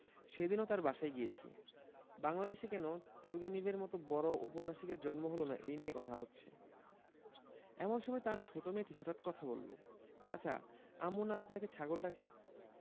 সেদিনও তার বাসায় গিয়েছি বাংলাদেশে কেন তুর্গেনিভের মত বড় উপন্যাসিকের জন্ম হল না এই নিয়ে কথা হচ্ছে এমন সময় তাঁর ছোট মেয়েটি হঠাৎ কথা বলল চাচা আম্মু না আপনাকে ছাগল ডাকে